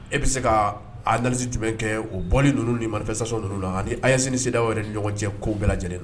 E bɛ se ka a nansi jumɛn kɛ o bɔlen ninnu ni mana sasɔ ninnu ani yese sidada ni ɲɔgɔn cɛ ko bɛɛ lajɛlen na